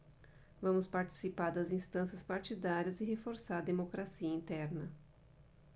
vamos participar das instâncias partidárias e reforçar a democracia interna